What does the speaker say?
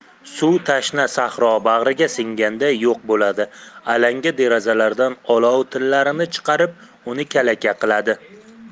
suv tashna sahro bag'riga singganday yo'q bo'ladi alanga derazalardan olov tillarini chiqarib uni kalaka qiladi